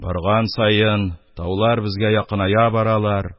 Барган саен таулар безгә якыная баралар.